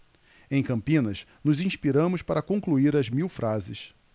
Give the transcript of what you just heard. em campinas nos inspiramos para concluir as mil frases